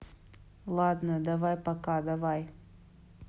ладно давай пока давай